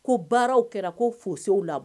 Ko baaraw kɛra ko fow la